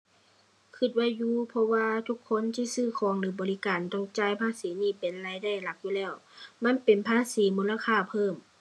คิดว่าอยู่ เพราะว่าทุกคนที่ซื้อของหรือบริการต้องจ่ายภาษีนี่เป็นรายได้หลักอยู่แล้ว มันเป็นภาษีมูลค่าเพิ่ม